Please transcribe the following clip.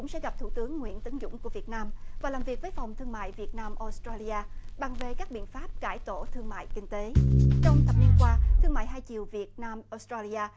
cũng sẽ gặp thủ tướng nguyễn tấn dũng của việt nam và làm việc với phòng thương mại việt nam ốp trây li a bằng về các biện pháp cải tổ thương mại kinh tế trong thập niên qua thương mại hai chiều việt nam ốp trây li a